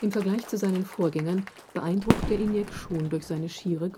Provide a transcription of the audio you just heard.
Vergleich zu seinen Vorgängern beeindruckt der ENIAC schon durch seine schiere